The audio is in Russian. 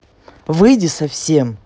выйди совсем